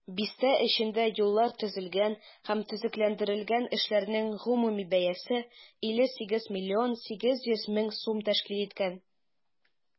Бистә эчендә юллар төзелгән һәм төзекләндерелгән, эшләрнең гомуми бәясе 58,8 миллион сум тәшкил иткән.